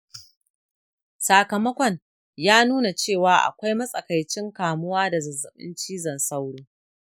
sakamakon ya nuna cewa akwai matsakaicin kamuwa da zazzaɓin cizon sauro.